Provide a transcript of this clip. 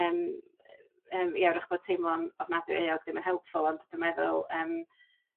yym yym ie 'w'rwch bod teimlo'n ofnadwy euog ddim yn helpful ond dwi meddwl yym